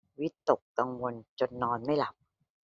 วิตกกังวลจนนอนไม่หลับ